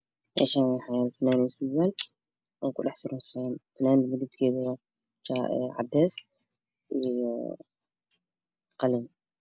Meshaan waxaa yala funad iyo surwaal oo ku dhaxsuran funada midapkeedu waa cadees iyo qalin